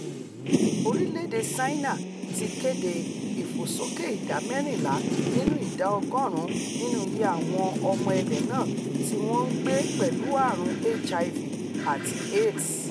Orilẹ̵-ede Ṣáínà ti kéde ìfòsókè ìdá mẹ́rìnlá nínú ìdá ọgọ́ọ̀rún nínú iye àwọn ọmọ ilẹ̀ náà tíwọ́n ńgbé pẹ̀lú ààrùn HIV àti Aids.